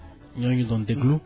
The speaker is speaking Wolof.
ñoo ñu doon déglu